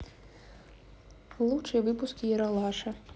лучшие выпуски ералаша